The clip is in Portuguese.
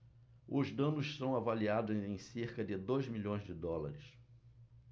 os danos são avaliados em cerca de dois milhões de dólares